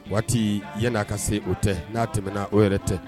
Waati yana ka se o tɛ n'a tɛmɛna o yɛrɛ tɛ